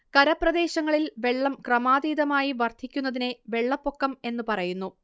കരപ്രദേശങ്ങളിൽ വെള്ളം ക്രമാതീതമായി വർദ്ധിക്കുന്നതിനെ വെള്ളപ്പൊക്കം എന്നു പറയുന്നു